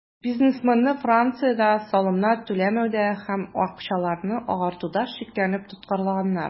Бизнесменны Франциядә салымнар түләмәүдә һәм акчаларны "агартуда" шикләнеп тоткарлаганнар.